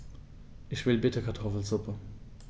Ich will bitte Kartoffelsuppe.